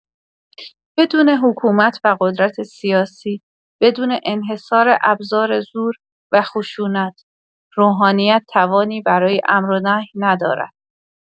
بدون حکومت و قدرت سیاسی، بدون انحصار ابزار زور و خشونت، روحانیت توانی برای امر و نهی ندارد.